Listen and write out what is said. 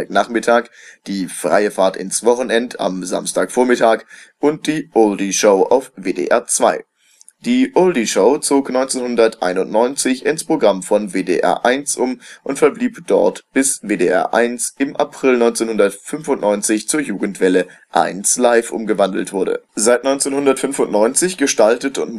Nachmittag, die Freie Fahrt ins Wochenend am Samstag Vormittag und die Oldie-Show auf WDR 2. Die Oldie-Show zog 1991 ins Programm von WDR 1 um und verblieb dort, bis WDR 1 im April 1995 zur Jugendwelle Eins Live umgewandelt wurde. Seit 1995 gestaltet